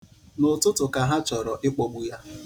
N'ụtụtụ ka ha chọrọ ịkpọgbu ya.